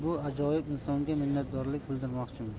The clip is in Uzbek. bu ajoyib insonga minnatdorlik bildirmoqchiman